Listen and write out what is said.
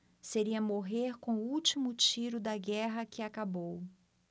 seria morrer com o último tiro da guerra que acabou